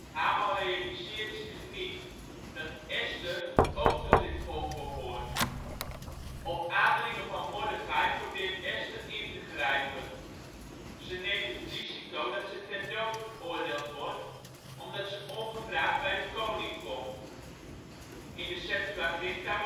Haman realiseert zich niet dat Esther ook tot dit volk behoort. Op aandringen van Mordechai probeert Esther in te grijpen. Ze neemt het risico dat ze ter dood veroordeeld wordt omdat ze ongevraagd bij de koning komt (in de Septuaginta